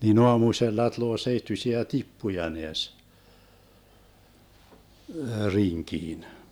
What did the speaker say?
niin aamusella tulee seittyisiä tippuja näes rinkiin